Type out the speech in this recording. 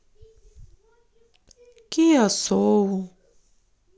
киа соул